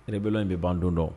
Ireele in bɛ ban don dɔn